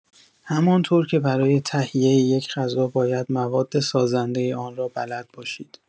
همانطور که برای تهیه یک غذا باید مواد سازنده آن را بلد باشید.